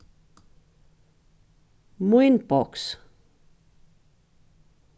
mínboks